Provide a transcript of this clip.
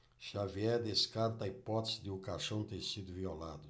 xavier descarta a hipótese de o caixão ter sido violado